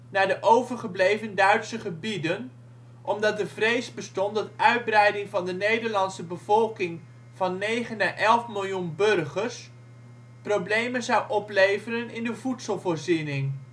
naar de overgebleven Duitse gebieden, omdat de vrees bestond dat uitbreiding van de Nederlandse bevolking van 9 naar 11 miljoen burgers problemen zou opleveren in de voedselvoorziening